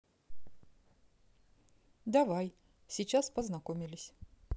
давай сейчас познакомились